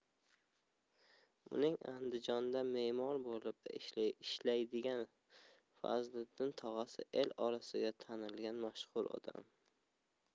uning andijonda memor bo'lib ishlaydigan fazliddin tog'asi el orasida tanilgan mashhur odam